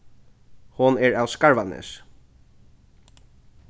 hon er av skarvanesi